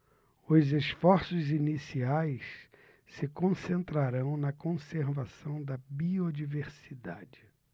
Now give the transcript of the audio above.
os esforços iniciais se concentrarão na conservação da biodiversidade